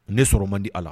Ne sɔrɔ man di ala la